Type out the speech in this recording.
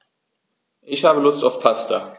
Ich habe Lust auf Pasta.